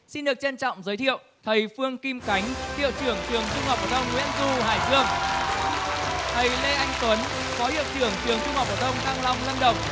xin được trân trọng giới thiệu thầy phương kim cánh hiệu trưởng trường trung học phổ thông nguyễn du hải dương thầy lê anh tuấn phó hiệu trưởng trường trung học phổ thông thăng long lâm đồng